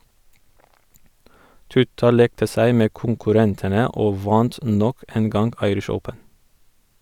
Tutta lekte seg med konkurrentene og vant nok en gang Irish Open.